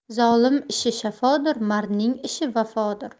zolim ishi shafodir mardning ishi vafodir